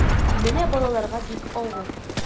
Менә балаларга бик авыр.